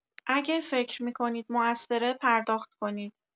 اگه فکر می‌کنید موثره پرداخت کنید.